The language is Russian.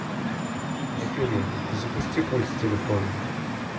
афина запусти пульт с телефона